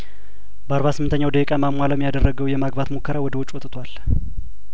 በአርባ ስምንተኛው ደቂቃ ማሞ አለም ያደረገው የማግባት ሙከራ ወደ ውጪ ወጥቷል